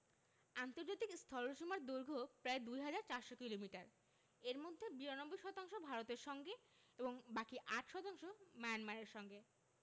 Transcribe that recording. আন্তর্জাতিক স্থলসীমার দৈর্ঘ্য প্রায় ২হাজার ৪০০ কিলোমিটার এর মধ্যে ৯২ শতাংশ ভারতের সঙ্গে এবং বাকি ৮ শতাংশ মায়ানমারের সঙ্গে